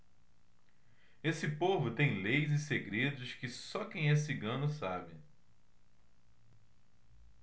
esse povo tem leis e segredos que só quem é cigano sabe